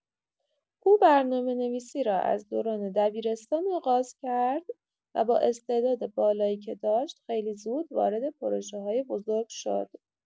او برنامه‌نویسی را از دوران دبیرستان آغاز کرد و بااستعداد بالایی که داشت خیلی زود وارد پروژه‌های بزرگ شد.